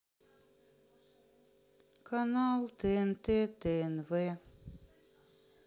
канал тнт тнв